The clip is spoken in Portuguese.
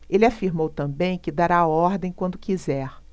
ele afirmou também que dará a ordem quando quiser